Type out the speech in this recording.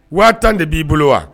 Waa tan de b'i bolo wa